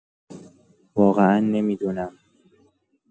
واقعا نمی‌دونم.